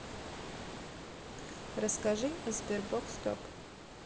расскажи о sberbox топ